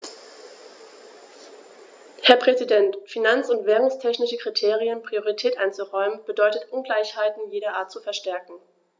Herr Präsident, finanz- und währungstechnischen Kriterien Priorität einzuräumen, bedeutet Ungleichheiten jeder Art zu verstärken.